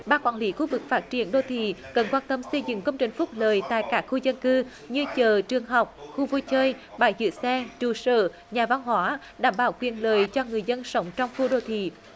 ban quản lý khu vực phát triển đô thị cần quan tâm xây dựng công trình phúc lợi tại các khu dân cư như chợ trường học khu vui chơi bãi giữ xe trụ sở nhà văn hóa đảm bảo quyền lợi cho người dân sống trong khu đô thị